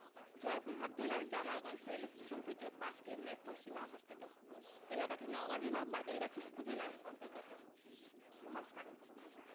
জয়পুরহাট জেলার জামালগঞ্জ রেলস্টেশন থেকে ৫ কিলোমিটার পশ্চিমে অবস্থিত এলাকাটি নওগাঁ জেলার বাদলগাছি উপজেলার অন্তর্গত মহাস্থান